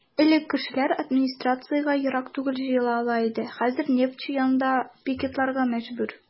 Элек кешеләр администрациягә ерак түгел җыела ала иде, хәзер "Нефтьче" янында пикетларга мәҗбүр.